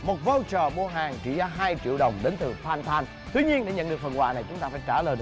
một vâu chờ mua hàng trị giá hai triệu đồng đến từ phan than tuy nhiên để nhận được phần quà này chúng ta phải trả lời được